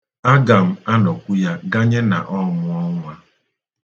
Aga m anọkwu ya ganye na ọ mụọ nnwa.